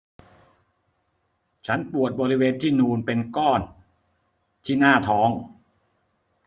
ฉันปวดบริเวณที่นูนเป็นก้อนที่หน้าท้อง